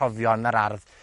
rhofio yn yr ardd